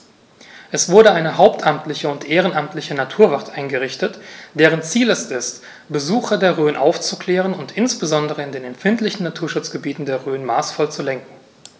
Es wurde eine hauptamtliche und ehrenamtliche Naturwacht eingerichtet, deren Ziel es ist, Besucher der Rhön aufzuklären und insbesondere in den empfindlichen Naturschutzgebieten der Rhön maßvoll zu lenken.